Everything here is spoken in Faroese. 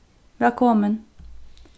vælkomin